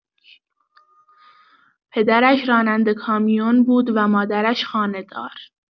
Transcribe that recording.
پدرش راننده کامیون بود و مادرش خانه‌دار.